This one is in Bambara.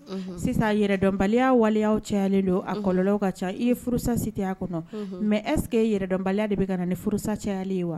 Sisan yɛrɛdɔnbaliya waliya cɛ don a kɔlɔ ka ca i ye furusasi tɛya kɔnɔ mɛ ɛssekeke yɛrɛdɔnbaliya de bɛ ka na nin furusa cɛya ye wa